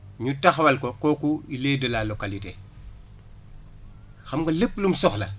ñu taxawal ko kooku lieu de la localité xam nga lépp lum soxla